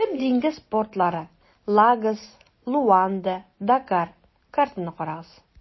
Төп диңгез портлары - Лагос, Луанда, Дакар (картаны карагыз).